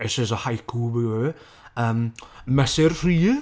"this is a haiku by here," yym, mesur rhydd!